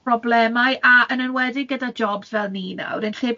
problemau, a yn enwedig gyda jobs fel ni nawr, yn lle